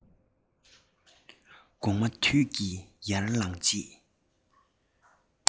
གོག མ དུད ཀྱིས ཡར ལངས རྗེས